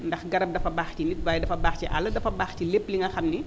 ndax garab dafa baax ci nit waaye dafa baax ci àll dafa baax ci lépp li nga xam ni